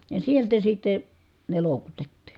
ja sieltä sitten ne loukutettiin